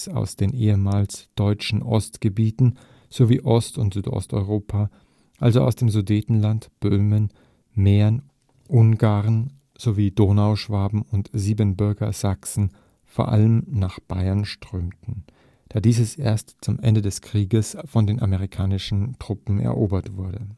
aus den ehemals deutschen Ostgebieten sowie Ost - und Südosteuropa (also aus dem Sudetenland, Böhmen, Mähren, Ungarn sowie Donauschwaben und Siebenbürger Sachsen) vor allem nach Bayern strömten, da dieses erst zum Ende des Krieges von den amerikanischen Truppen erobert wurde